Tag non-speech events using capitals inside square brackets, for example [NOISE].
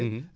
[HESITATION] [HESITATION]